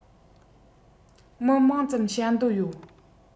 མི མང ཙམ བྱ འདོད ཡོད